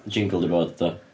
Jingle 'di bod do?